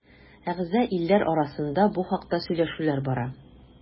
Әгъза илләр арасында бу хакта сөйләшүләр бара.